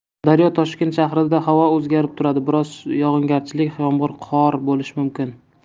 daryo toshkent shahrida havo o'zgarib turadi biroz yog'ingarchilik yomg'ir qor bo'lishi mumkin